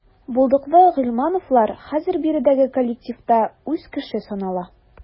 Булдыклы гыйльмановлар хәзер биредәге коллективта үз кеше санала.